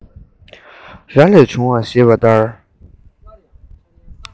ར ལས བྱུང བ ཤེས པས ན